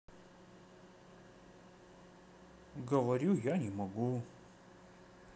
говорю я не могу